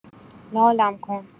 لالم کن